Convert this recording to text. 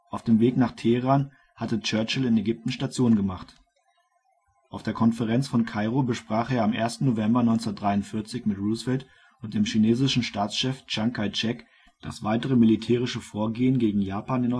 Auf dem Weg nach Teheran hatte Churchill in Ägypten Station gemacht. Auf der Konferenz von Kairo besprach er am 1. November 1943 mit Roosevelt und dem chinesischen Staatschef Chiang Kai-shek das weitere militärische Vorgehen gegen Japan